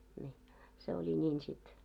niin se oli niin sitten